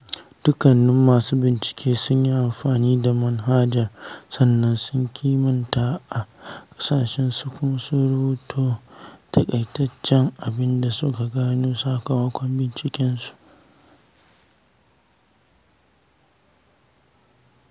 Dukkanin masu bincike sun yi amfani da manhajar, sannan sun kimanta ta a ƙasashensu kuma sun rubuto taƙaitaccen abinda suka gano sakamakon bincikensu.